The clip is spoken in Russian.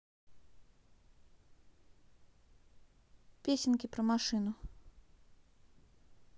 песенки про машинку